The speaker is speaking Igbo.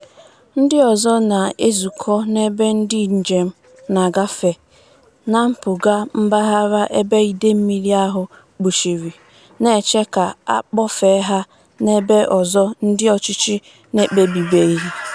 Ndị ọzọ na-ezukọ n'ebe ndị njem na-agafe na mpụga mpaghara ebe ide mmiri ahụ kpuchiri, na-eche ka a kpọfee ha n'ebe ọzọ ndị ọchịchị n'ekpebibeghị.